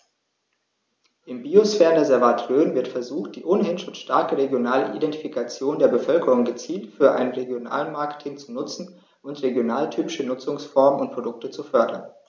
Im Biosphärenreservat Rhön wird versucht, die ohnehin schon starke regionale Identifikation der Bevölkerung gezielt für ein Regionalmarketing zu nutzen und regionaltypische Nutzungsformen und Produkte zu fördern.